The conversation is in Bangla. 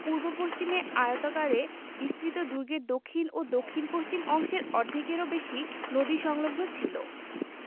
পূর্ব পশ্চিমে আয়তাকারে বিস্তৃত দুর্গের দক্ষিণ ও দক্ষিণপশ্চিম অংশের অর্ধেকেরও বেশি নদী সংলগ্ন ছিল